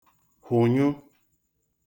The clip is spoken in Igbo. hụ̀nyụ